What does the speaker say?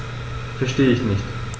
Verstehe nicht.